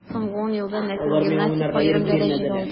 Соңгы ун елда нәфис гимнастика аерым дәрәҗәгә алды.